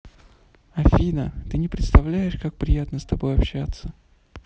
афина ты не представляешь как приятно с тобой общаться